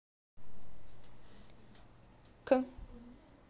к